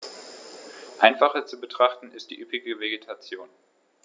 Einfacher zu betrachten ist die üppige Vegetation.